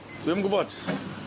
Dwi'm yn gwbod.